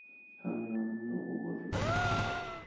hamyonimni o'g'irlashdi